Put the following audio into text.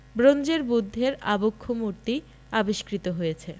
ব্রোঞ্জের বুদ্ধের আবক্ষমূর্তি আবিষ্কৃত হয়েছে